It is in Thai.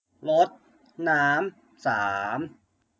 รดน้ำสาม